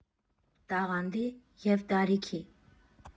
Տաղանդի և տարիքի։